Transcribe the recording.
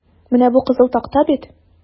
Менә бу кызыл такта бит?